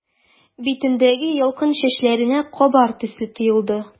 Битендәге ялкын чәчләренә кабар төсле тоелды.